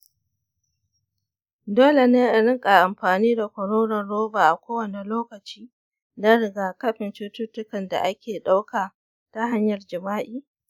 dole ne in riƙa amfani da kwaroron roba a kowane lokaci don riga-kafin cututtukan da ake ɗauka ta hanyar jima'i?